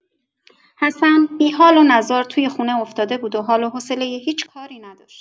حسن، بی‌حال و نزار توی خونه افتاده بود و حال و حوصله هیچ کاری نداشت.